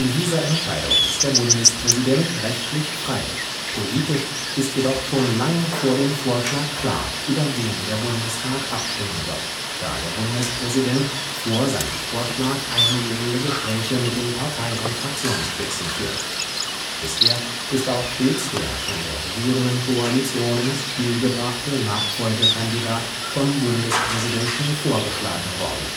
dieser Entscheidung ist der Bundespräsident rechtlich frei. Politisch ist jedoch schon lange vor dem Vorschlag klar, über wen der Bundestag abstimmen wird, da der Bundespräsident vor seinem Vorschlag eingehende Gespräche mit den Partei - und Fraktionsspitzen führt. Bisher ist auch stets der von der regierenden Koalition ins Spiel gebrachte Nachfolgekandidat vom Bundespräsidenten vorgeschlagen worden